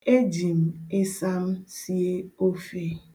Eji m ịsam sie ofe.